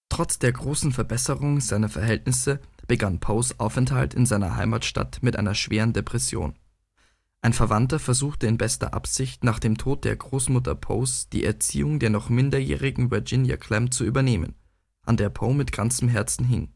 Trotz der großen Verbesserung seiner Verhältnisse begann Poes Aufenthalt in seiner Heimatstadt mit einer schweren Depression. Ein Verwandter versuchte in bester Absicht nach dem Tod der Großmutter Poes die Erziehung der noch minderjährigen Virginia Clemm zu übernehmen, an der Poe mit ganzem Herzen hing